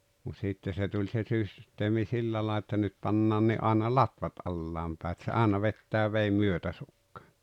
mutta sitten se tuli se - systeemi sillä - että nyt pannaan aina latvat alas päin että se aina vetää veden myötäsukaan